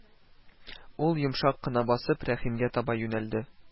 Ул, йомшак кына басып, Рәхимгә таба юнәлде